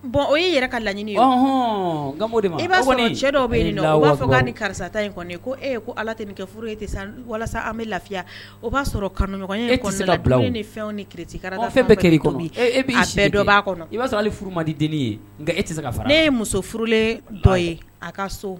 Bɔn o e yɛrɛ ka laɲini hɔna cɛ dɔ bɛ yen b'a fɔ karisa ta kɔni ko e ko ala tɛ kɛ furu e walasa an bɛ lafiya o b'a sɔrɔ karamɔgɔɲɔgɔn fɛn ni ki e b'a i sɔrɔ furu madi ye e tɛ ne ye muso furulen dɔ ye a ka so